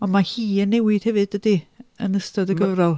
Ond mae hi yn newid hefyd dydy? Yn ystod y... my- ...gyfrol.